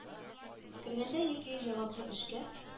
Кергәндә яки җаваплы эшкә